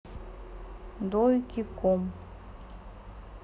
дойкиком